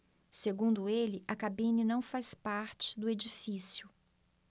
segundo ele a cabine não faz parte do edifício